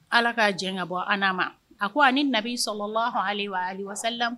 Ala k kaa jɛ ka bɔ an ma a ko a nabi sɔrɔlɔn h wa